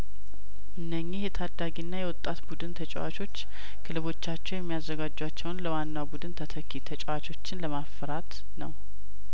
አነኚህ የታዳጊና የወጣት ቡድን ተጨዋቾች ክለቦቻቸው የሚያዘ ጋጇቸውን ለዋናው ቡድን ተተኪ ተጨዋቾችን ለማፈራት ነው